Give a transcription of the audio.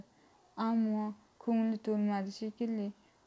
ammo ko'ngli to'lmadi shekilli